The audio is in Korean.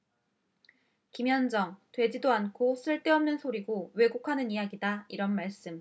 김현정 되지도 않고 쓸데없는 소리고 왜곡하는 이야기다 이런 말씀